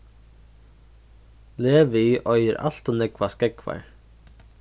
levi eigur alt ov nógvar skógvar